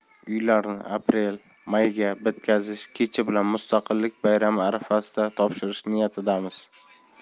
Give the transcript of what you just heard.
uylarni aprel mayga bitkazish kechi bilan mustaqillik bayrami arafasida topshirish niyatidamiz